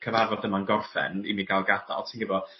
cyfarfod yma'n gorffen i mi ga'l gadal ti'n gwbo